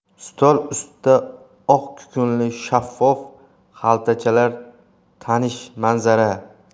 stol ustida oq kukunli shaffof xaltachalar tanish manzara